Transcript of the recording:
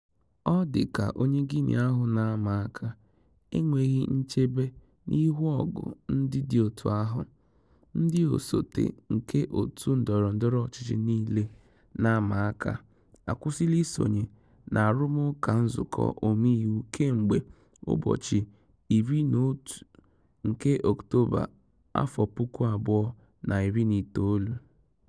Ọ dị ka onye Guinea ahụ na-ama aka enweghị nchebe n'ihu ọgụ ndị dị otu ahụ: ndị osote nke òtù ndọrọ ndọrọ ọchịchị niile na-ama aka akwụsịla isonye n'arụmụka nzukọ omeiwu kemgbe ụbọchị 11 nke Ọktoba, 2019.